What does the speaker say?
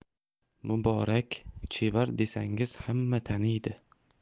muborak chevar desangiz hamma taniydi